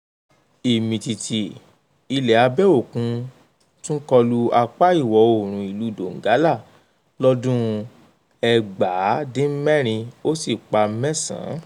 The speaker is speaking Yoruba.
Ìmìtìtì ilẹ̀ abẹ́ òkun tún kọ lu apá ìwọ̀ oòrùn ìlú Donggala lọ́dún 1996, ó sì pa mẹ́sàn-án.